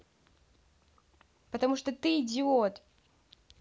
потому что ты идиот